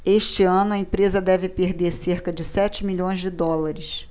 este ano a empresa deve perder cerca de sete milhões de dólares